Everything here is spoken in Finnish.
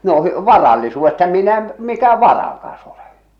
no - varallisuudesta minä - mikä varakas ole